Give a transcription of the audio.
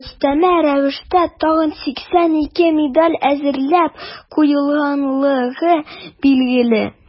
Өстәмә рәвештә тагын 82 медаль әзерләп куелганлыгы билгеле.